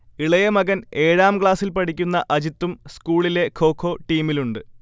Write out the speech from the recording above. ഇളയമകൻ ഏഴാം ക്ലാസിൽ പഠിക്കുന്ന അജിത്തും സ്കൂളിലെ ഖോഖൊ ടീമിലുണ്ട്